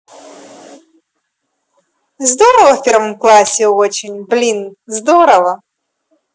здорово в первом классе очень блин здорово